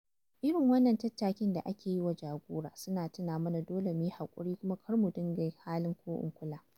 Irin wannan tattakin da ake yi wa jagora suna tuna mana dole mu yi haƙuri kuma kar mu dinga halin ko-in-kula.